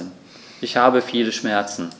Ich habe viele Schmerzen.